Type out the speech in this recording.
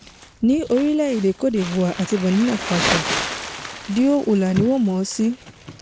Ní orílẹ̀-èdè Cote d'Ivoire àti Burkina Faso, Dioula ni wọ́n mọ̀ ọ́ sí.